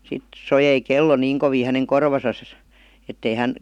sitten soi kello niin kovin hänen korvassaan että ei hän